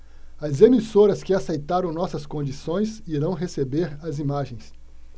as emissoras que aceitaram nossas condições irão receber as imagens